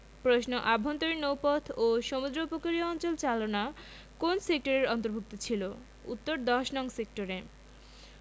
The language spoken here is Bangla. প্রশ্ন আভ্যন্তরীণ নৌপথ ও সমুদ্র উপকূলীয় অঞ্চল চালনা কোন সেক্টরের অন্তভুর্ক্ত ছিল উত্তরঃ ১০নং সেক্টরে